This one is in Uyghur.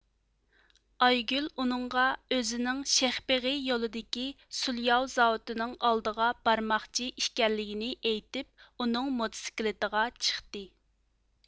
ئايگۈل ئۇنىڭغا ئۆزىنىڭ شېخبېغى يولىدىكى سۇلياۋ زاۋۇتىنىڭ ئالدىغا بارماقچى ئىكەنلىكىنى ئېيتىپ ئۇنىڭ موتسىكلىتىغا چىقتى